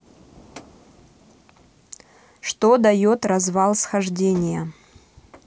что дает развалсхождения